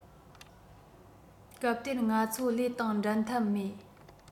སྐབས དེར ང ཚོ ལས དང འགྲན ཐབས མེད